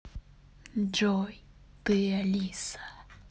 джой ты алиса